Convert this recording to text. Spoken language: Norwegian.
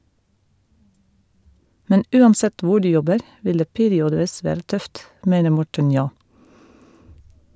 Men uansett hvor du jobber , vil det periodevis være tøft , mener Morten Njå.